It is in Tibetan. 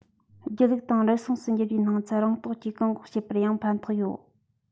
སྒྱིད ལུག དང རུལ སུངས སུ འགྱུར བའི སྣང ཚུལ རང རྟོགས ཀྱིས བཀག འགོག བྱེད པར ཡང ཕན ཐོགས ཡོད